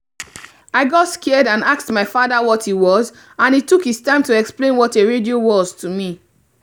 I got scared and asked my father what it was and he took his time to explain what a radio was to me.